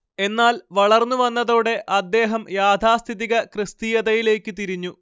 എന്നാൽ വളർന്നു വന്നതോടെ അദ്ദേഹം യാഥാസ്ഥിതിക ക്രിസ്തീയതയിലേക്കു തിരിഞ്ഞു